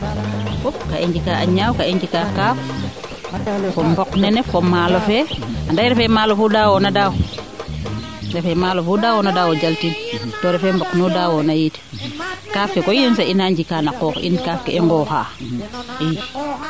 fop kaa i njikaa a ñaaw kaa i njika kaaf fo mboq nene fo maalo fee ande refee maalo fuu daawo na daaw refee maalo fu daawo na daaw o jal tin to refee mboknu daawona yit kaaf ke koy yenisaay in na njikaa no qoox in kaaf ke i ŋooxa i